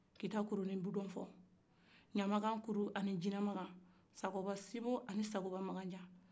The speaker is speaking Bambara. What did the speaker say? kita kuru nin budon fɔ ɲamaga kuru ani jinɛmagan sakobasibo ani sakoba maganjan